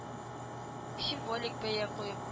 Символик бәя куеп